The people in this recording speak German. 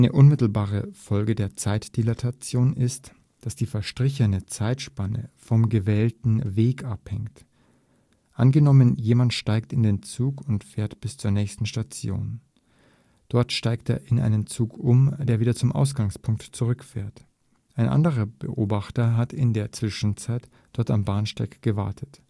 unmittelbare Folge der Zeitdilatation ist, dass die verstrichene Zeitspanne vom gewählten Weg abhängt. Angenommen, jemand steigt in den Zug und fährt bis zur nächsten Station. Dort steigt er in einen Zug um, der wieder zum Ausgangspunkt zurückfährt. Ein anderer Beobachter hat in der Zwischenzeit dort am Bahnsteig gewartet